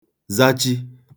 zachi